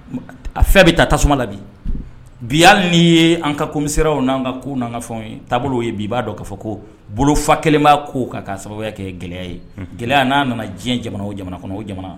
A fɛn bɛ taa tasuma la bi biya ni ye an ka komiraw n'an ka ko ka fɛn taabolo ye bi b'a dɔn'a fɔ ko bolofa kelenba ko ka ka sababu kɛ gɛlɛya ye gɛlɛya n'a nana diɲɛ jamana o jamana kɔnɔ o jamana